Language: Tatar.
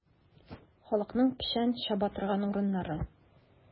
Халыкның печән чаба торган урыннары.